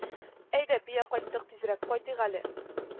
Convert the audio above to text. – әйдә, бия, кайтыйк, тизрәк кайтыйк әле